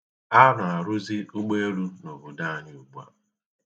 A na-arụzi ugbeelu na obodo anyị ugbua.